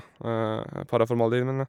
Paraformaldehyd, mener jeg.